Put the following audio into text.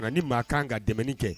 Nka ni maa kan ka dɛmɛ kɛ